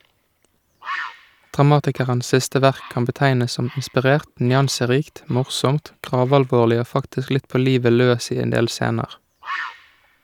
Dramatikerens siste verk kan betegnes som inspirert, nyanserikt, morsomt, gravalvorlig og faktisk litt på livet løs i en del scener.